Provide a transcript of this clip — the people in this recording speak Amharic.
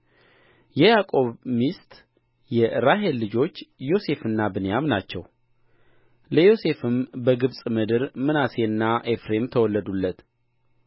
ኤስሮም ሐሙል የይሳኮርም ልጆች ቶላ ፉዋ ዮብ ሺምሮን